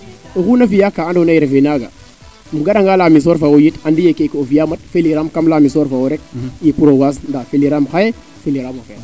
oxu naa fiya ka ando naye refee naaga im gara nga lamisoor fo mi yit andi yee keeke o fiyaa mat feliraam kam laamisoor fo'wo rek i pour o waas ndaa feliraam xaye feliraam o feet